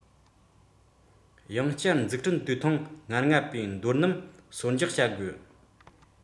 སླར ཡང ཀྱི དངུལ བཏོན ནས ལ བལྟ རུ སོང སྨད ཀྱི ཡོད